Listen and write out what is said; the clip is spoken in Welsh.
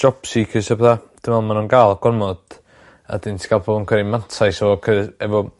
jopseekers a petha dwi meddwl ma' nw'n ga'l gormod a 'dyn ti ca'l pobol yn cymryd mantais o 'c'os efo